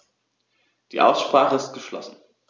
Die Aussprache ist geschlossen.